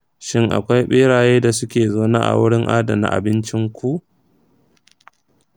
shin akwai beraye da suke zaune a wurin adana abincinku?